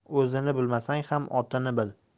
o'zini bilmasang ham otini bil